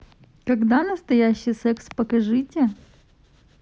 когда настоящий секс покажите